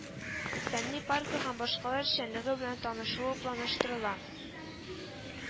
Фәнни паркы һәм башкалар эшчәнлеге белән танышуы планлаштырыла